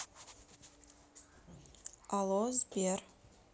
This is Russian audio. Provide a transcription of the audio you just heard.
алло сбер